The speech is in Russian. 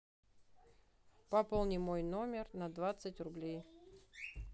пополни мой номер на двадцать рублей